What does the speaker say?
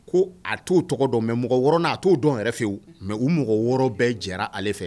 Ko a t'o tɔgɔ dɔn mais mɔgɔ 6 nan, a t'o yɛrɛ fiyewudɔn. Mais u mɔgɔ 6 bɛ jɛn na ale. fɛ.